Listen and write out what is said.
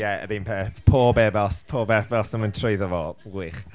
Ie, yr un peth. Pob ebost, pob ebost yn mynd trwyddo fo. Wych.